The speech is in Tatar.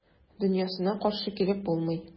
Дөньясына каршы килеп булмый.